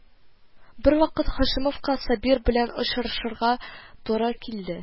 Бервакыт Һашимовка Сабир белән очрашырга туры килде